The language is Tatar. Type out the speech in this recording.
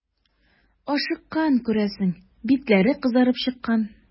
Ашыккан, күрәсең, битләре кызарып чыккан.